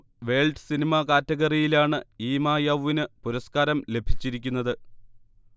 world cinema കാറ്റഗറിയിലാണ് ഈമയൗവിന് പുരസ്കാരം ലഭിച്ചിരിക്കുന്നത്